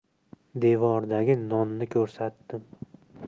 devordagi nonni ko'rsatdim